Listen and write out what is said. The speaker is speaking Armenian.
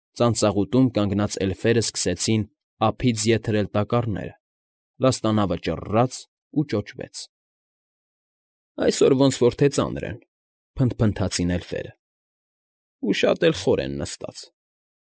Ծանծաղուտում կանգանած էլֆերն սկսեցին ափից ետ հրել տակառները, լաստանավը ճռռաց և ճոճվեց։ ֊ Այսօր ոնց որ թե ծանր են,֊ փնթփնթացին էլֆերը։֊ Ու շատ էլ խոր են նստած։